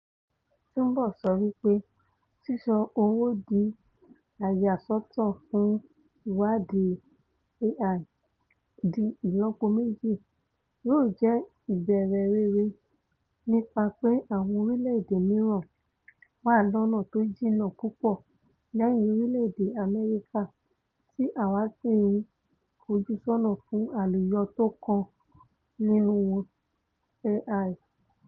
Lee túnbọ̀ so wípẹ́ ''Sísọ owò tí a yà ṣọ́tọ̀ fún ìwáàdí AI di ìlọ́pòméjì yóò jẹ́ ìbẹ̀rẹ̀ rere, nípa pé àwọn orílẹ̀-èdè mìíràn wà lọ́nà tó jìnnà púpọ̀ lẹ́yìn orílẹ̀-èdè U.S., tí àwá sì ń fojú sọ́nà fún àlùyọ tókan nínú AI.